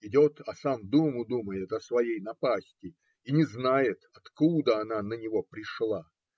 Идет, а сам думу думает о своей напасти и не знает, откуда она на него пришла.